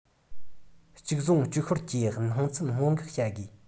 གཅིག བཟུང གཅིག ཤོར གྱི སྣང ཚུལ སྔོན འགོག བྱ དགོས